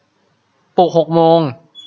ปลุกหกโมง